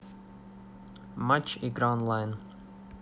матч игра онлайн